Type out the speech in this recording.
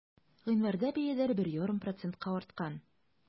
Гыйнварда бәяләр 1,5 процентка арткан.